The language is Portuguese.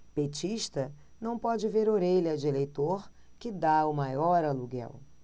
petista não pode ver orelha de eleitor que tá o maior aluguel